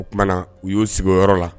Oumana na u y'u sigiyɔrɔ yɔrɔ la